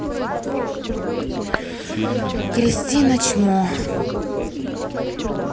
кристина чмо